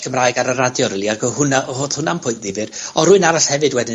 ...Cymraeg ar y radio rili ag o' hwnna, o- odd hwnna'n pwynt ddifyr. O' rywun arall hefyd wedyn